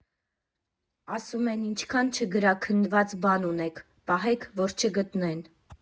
Ասում են՝ ինչքան չգրաքննված բան ունեք, պահեք, որ չգտնեն։